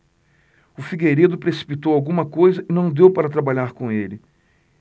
o figueiredo precipitou alguma coisa e não deu para trabalhar com ele